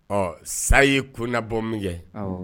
Ɔ sa ye konabɔ min kɛ